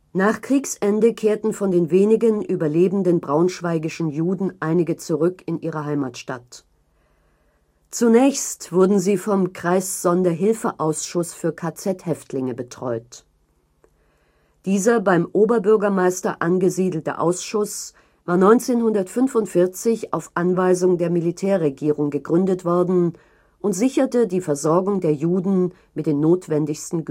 Nach Kriegsende kehrten von den wenigen überlebenden braunschweigischen Juden einige zurück in ihre Heimatstadt. Zunächst wurden sie von Kreissonderhilfeausschuss für KZ-Häftlinge betreut. Dieser beim Oberbürgermeister angesiedelte Ausschuss war 1945 auf Anweisung der Militärregierung gegründet worden und sicherte die Versorgung der Juden mit den notwendigsten